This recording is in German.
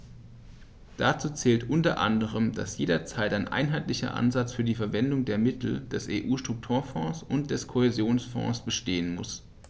Dazu zählt u. a., dass jederzeit ein einheitlicher Ansatz für die Verwendung der Mittel der EU-Strukturfonds und des Kohäsionsfonds bestehen muss.